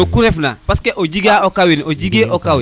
no ku ref na parce o jega o kawir a jege o kawir